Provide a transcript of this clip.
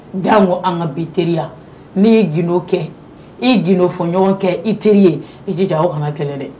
Jaa ko an ka bi teriya n'i ye gdoo kɛ i gdo fɔ ɲɔgɔn kɛ i teri ye i ji jan o kana kɛlɛ dɛ